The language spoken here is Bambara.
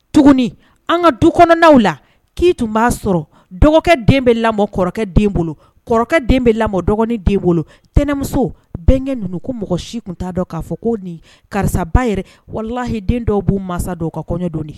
Tuguni, an ka du kɔnɔnaw la, k'i tun b'a sɔrɔ dɔgɔkɛ den bɛ lamɔn kɔrɔkɛ den bolo, kɔrɔkɛ den bɛ lamɔn dɔgɔnin den bolo tɛnɛmuso bɛnkɛw ninnu ko mɔgɔ si tun t'a dɔn k'a fɔ ko nin karisa ba yɛrɛ walahi den dɔw b'u masa dɔn o ka kɔɲɔn don